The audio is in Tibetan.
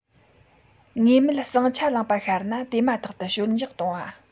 ངེས མེད ཟིང ཆ ལངས པ ཤར ན དེ མ ཐག ཏུ ཞོད འཇགས གཏོང བ